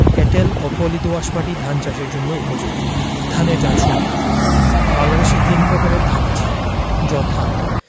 এঁটেল ও পলি দোআঁশ মাটি ধান চাষের জন্য উপযোগী ধানের জাতসমূহ বাংলাদেশে তিন প্রকারের ধান আছে যথাঃ